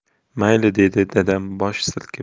mayli dedi dadam bosh silkib